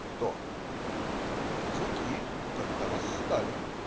-"Кто?" - "Казаки, когда восстали".